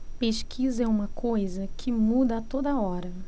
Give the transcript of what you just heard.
pesquisa é uma coisa que muda a toda hora